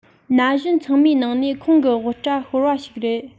ན གཞོན ཚང མའི ནང ནས ཁོང གི དབུ སྐྲ གཤོར བ ཞིག རེད